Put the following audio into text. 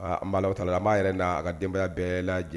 Aa an bɛ allahu taala an b'a yɛrɛ n'a ka denbaya bɛɛ la